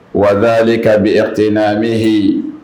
Waraale kabi awtena min hyi